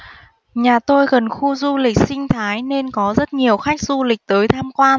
nhà tôi gần khu du lịch sinh thái nên có rất nhiều khách du lịch tới tham quan